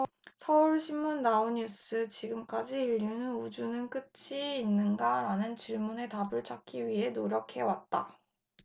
서울신문 나우뉴스 지금까지 인류는우주는 끝이 있는가 라는 질문의 답을 찾기 위해 노력해왔다